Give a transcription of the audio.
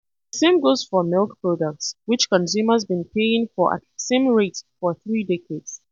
The same goes for milk products, which consumers been paying for at the same rate for three decades.